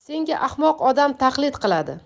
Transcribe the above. senga ahmoq odam taqlid qiladi